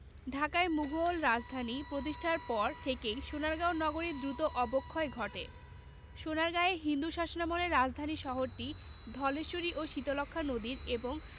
ঢাকায় মুগল রাজধানী প্রতিষ্ঠার পর থেকেই সোনারগাঁও নগরীর দ্রুত অবক্ষয় ঘটে সোনারগাঁয়ে হিন্দু শাসনামলের রাজধানী শহরটি ধলেশ্বরী ও শীতলক্ষ্যা নদীর এবং